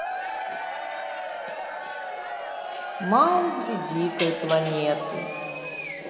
маугли дикой планеты